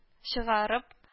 Чыгарып